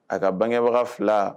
A ka banbaga fila